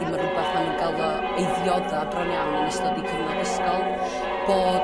ddim yn r'wbath ma' n'w'n ga'l o i ddiodda bron iawn yn ystod ei cyfnod ysgol bod